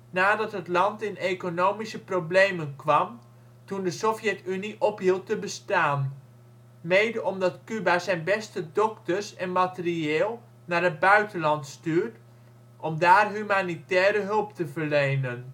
nadat het land in economische problemen kwam toen de Sovjet-Unie ophield te bestaan, mede omdat Cuba zijn beste dokters en materieel naar het buitenland stuurt om daar humanitaire hulp te verlenen